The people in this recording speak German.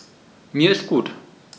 Mir ist gut.